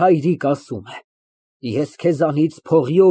Մարդուս իրանիցն է կախված այսպես կամ այնպես տրամադրել իրան։ Ահ, այս անիծվածը չի կապվում։